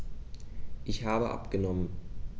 Ich habe abgenommen.